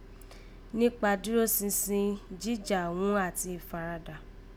Nípa dídúrósinsin, jíjà ghun àti ìfaradà